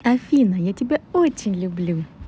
афина я тебя очень люблю